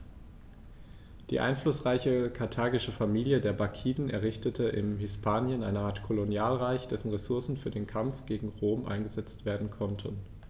Die einflussreiche karthagische Familie der Barkiden errichtete in Hispanien eine Art Kolonialreich, dessen Ressourcen für den Kampf gegen Rom eingesetzt werden konnten.